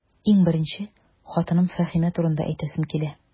Иң беренче, хатыным Фәһимә турында әйтәсем килә.